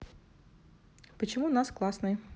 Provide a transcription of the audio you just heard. почему нас классный